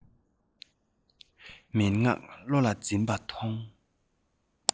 མན ངག བློ ལ འཛིན པ མཐོང